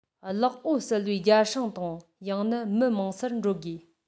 གློག འོད གསལ བའི རྒྱ སྲང དང ཡང ན མི མང སར འགྲོ དགོས